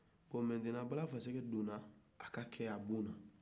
bon mɛtenan bala faseke donnan a ka cɛyabon na